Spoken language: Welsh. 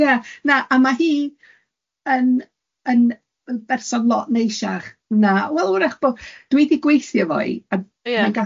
Ia, na, a ma' hi yn yn berson lot neishach na, wel, 'w'rach bo- dwi di gweithio efo'i, a